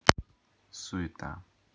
суета